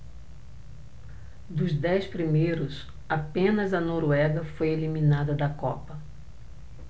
dos dez primeiros apenas a noruega foi eliminada da copa